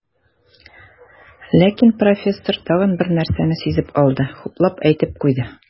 Ләкин профессор тагын бер нәрсәне сизеп алды, хуплап әйтеп куйды.